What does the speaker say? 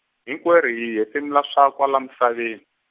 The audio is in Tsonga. hinkwerhu hi hefemuri- swa kwala misaveni.